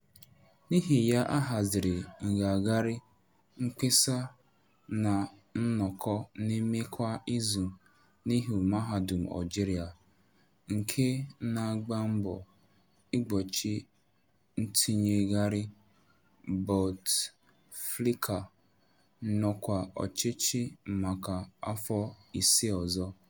N'ihi ya, a haziri ngagharị mkpesa na nnọkọ na-eme kwa izu n'ihu mahadum Algeria nke na-agba mbọ igbochi ntinyegharị Bouteflika n'ọkwá ọchịchị maka afọ 5 ọzọ.